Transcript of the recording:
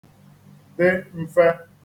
dị mfē